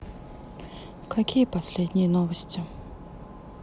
какие последние новости